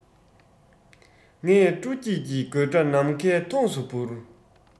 ངས སྤྲོ སྐྱིད ཀྱི དགོད སྒྲ ནམ མཁའི མཐོངས སུ སྤུར